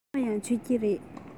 ཟ ཀི རེད